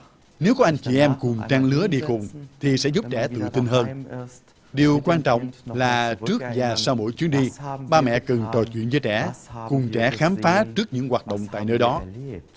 nếu có anh chị em cùng trang lứa đi cùng thì sẽ giúp trẻ tự tin hơn điều quan trọng là trước và sau mỗi chuyến đi ba mẹ cần trò chuyện với trẻ cùng trẻ khám phá trước những hoạt động tại nơi đó